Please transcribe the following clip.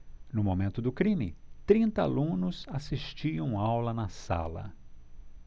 no momento do crime trinta alunos assistiam aula na sala